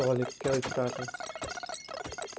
og'ir judolikka uchradi